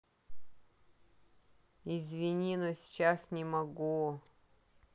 извини но сейчас не могу